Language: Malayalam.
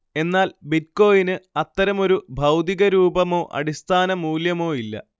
എന്നാൽ ബിറ്റ്കോയിന് അത്തരമൊരു ഭൗതികരൂപമോ അടിസ്ഥാന മൂല്യമോയില്ല